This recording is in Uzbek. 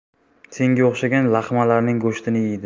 senga o'xshagan laqmalarning go'shtini yeydi